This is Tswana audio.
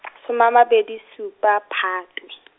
some a mabedi supa Phatwe.